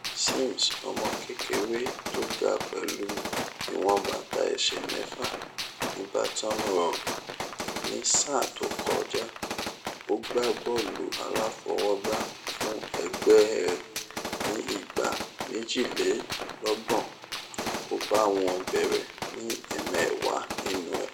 Sims, ọmọ kékeré tó ga pẹ̀lú ìwọ̀n bàtà ẹsẹ̀ méfà, ní Baton Rogue. Ní sáà tó kọjá, ó gbá bọ́ọ̀lu-aláfọwọ́gbá fún ẹgbẹ́ ẹ̀ ní ìgbà méjìlélọ́gbọ̀n (32). Ó bá wọn bẹ̀rẹ̀ ní ẹ̀mẹwàá nínú ẹ̀.